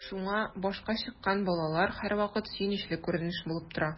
Шуңа “башка чыккан” балалар һәрвакыт сөенечле күренеш булып тора.